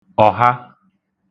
ọ̀ha